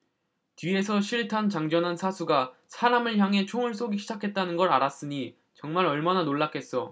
뒤에서 실탄 장전한 사수가 사람을 향해 총을 쏘기 시작했다는 걸 알았으니 정말 얼마나 놀랐겠어